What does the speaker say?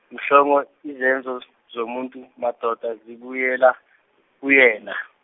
Mhlongo, izenzo zomuntu madoda zibuyela kuyena.